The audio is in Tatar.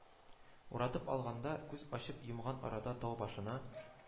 Уратып алган да, күз ачып йомган арада тау башына